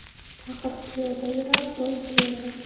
faqir piyoda yurar boy tuyada